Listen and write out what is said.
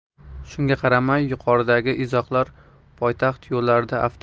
shunga qaramay yuqoridagi izohlar poytaxt yo'llarida